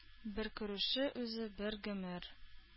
Бер күрешү үзе бер гомер.